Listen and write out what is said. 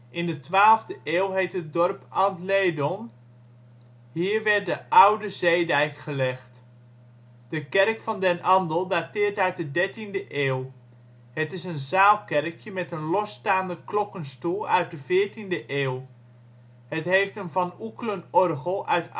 In de 12e eeuw heet het dorp ' Andledon '. Hier werd de oude zeedijk gelegd. De kerk van Den Andel dateert uit de dertiende eeuw. Het is een zaalkerkje met een losstaande klokkenstoel uit de veertiende eeuw. Het heeft een Van Oeckelen orgel uit